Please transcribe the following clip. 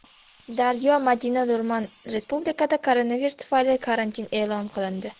daryo madina nurmanrespublikada koronavirus tufayli karantin e'lon qilindi